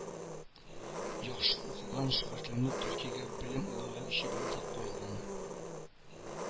Яхшы укыган шәкертләрне Төркиягә белем алырга җибәрү дә каралган